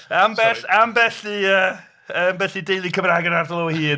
Ambell... ambell i yy ambell i deulu Cymraeg yn yr ardal o hyd.